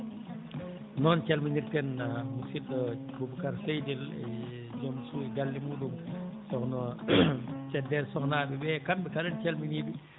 noon calminirten musidɗo Boubacara Seydel e jom suudu galle muɗum sohkna e sokhnaɓe ɓee kamɓe kala en calminii ɓe